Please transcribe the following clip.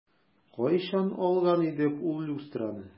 Кайчан алган идек ул люстраны?